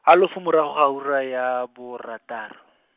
halofo morago ga ura ya borataro.